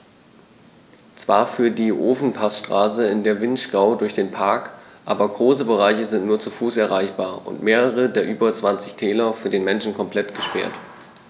Zwar führt die Ofenpassstraße in den Vinschgau durch den Park, aber große Bereiche sind nur zu Fuß erreichbar und mehrere der über 20 Täler für den Menschen komplett gesperrt.